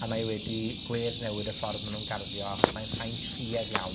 a mae e wedi gwedd newid y ffordd ma' nw'n garddio, achos mae'n haint ffuedd iawn,